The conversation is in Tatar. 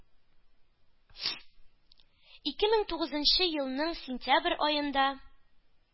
Ике мең тугызынчы елның сентябрь аенда